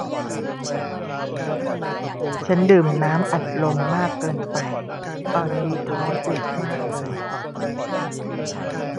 ฉันดื่มน้ำอัดลมมากเกินไปตอนนี้ท้องอืดมากเลย